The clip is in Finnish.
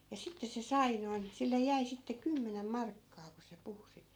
ja sitten se sai noin sille jäi sitten kymmenen markkaa kun se puhui sitä